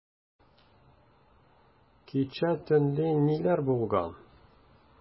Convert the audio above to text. Кичә төнлә ниләр булган?